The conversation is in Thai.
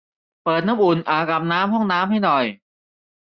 เปิดน้ำอุ่นอ่างอาบน้ำห้องน้ำให้หน่อย